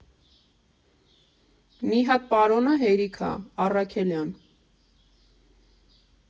֊ Մի հատ պարոնը հերիք ա, Առաքելյան…